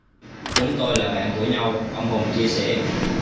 chúng tôi là bạn của nhau ông hùng chia sẻ